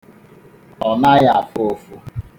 Ọ naghị afụ ụfụ.